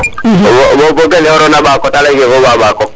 wo fene leyena Mbako te leye fo wa Mbako